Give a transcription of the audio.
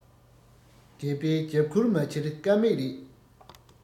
སྒལ པའི རྒྱབ ཁུར མ འཁྱེར ཀ མེད རེད